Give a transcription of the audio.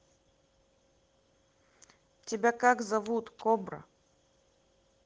тебя как зовут кобра